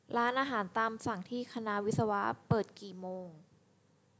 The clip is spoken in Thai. ร้านอาหารตามสั่งที่คณะวิศวะเปิดกี่โมง